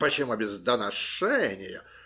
Почему без доношения?